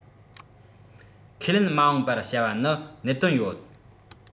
ཁས ལེན མ འོངས པར བྱ བ ནི གནད དོན ཡོད